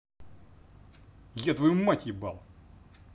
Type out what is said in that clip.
я твою мать ебал